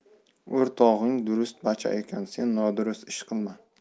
o'rtog'ung durust bacha ekan sen nodurust ish qilma